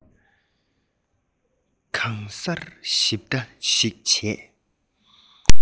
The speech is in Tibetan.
གང སར ཞིབ ལྟ ཞིག བྱས